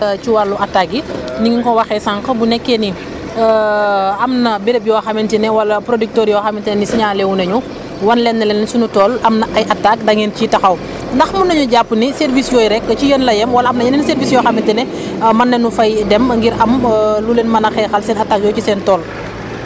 ci wàllu attaques yi ni nga ko waxee sànq bu nekkee ni am na béréb yoo xamante ne wala producteurs yoo xamante ne signalé wu nañu wan leen ne leen sunu tool am na ay ay attaques da ngeen ciy taxaw ndax mun nañu jàpp ni services yooyu rek ci yéen la yem wala am na yeneen services yoo xamante ne mën nañu fay dem ngir am lu leen mën a xeexal seen attaques yooyu ci seen tool